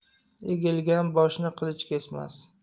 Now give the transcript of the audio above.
egilgan boshni qilich kesmas